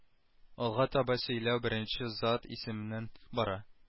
Алга таба сөйләү беренче зат исеменнән бара